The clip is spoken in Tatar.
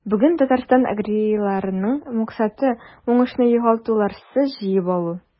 Бүген Татарстан аграрийларының максаты – уңышны югалтуларсыз җыеп алу.